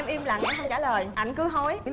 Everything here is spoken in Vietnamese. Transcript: em im lặng em không trả lời anh cứ hối